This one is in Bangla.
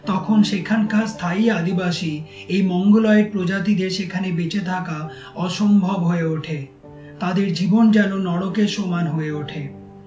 তখন সেখানকার স্থায়ী আদিবাসী এ মঙ্গলয়েড প্রজাতিদের সেখানে বেঁচে থাকা অসম্ভব হয়ে ওঠে তাদের জীবন যেন নরকের সমান হয়ে ওঠে